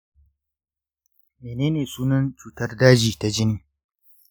menene sunan cutar daji ta jini?